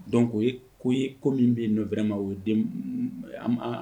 Dɔn ko ye ko ye ko min bɛ yen n'o wɛrɛ ma o den